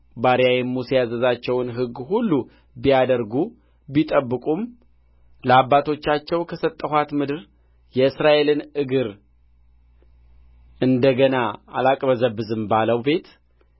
ባሪያዬም ሙሴ ያዘዛቸውን ሕግ ሁሉ ቢያደርጉ ቢጠብቁም ለአባቶቻቸው ከሰጠኋት ምድር የእስራኤልን እግር እንደ ገና አላቅበዘብዝም ባለው ቤት